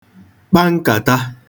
kpa nkàta